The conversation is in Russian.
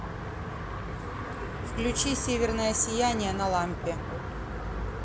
включи северное сияние на лампе